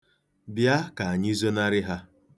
Bịa ka anyị zonarị ha.